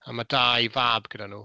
A ma' dau fab gyda nhw.